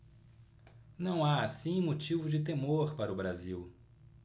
não há assim motivo de temor para o brasil